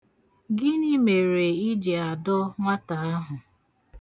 Gịnị mere ị ji adọ nwata ahụ?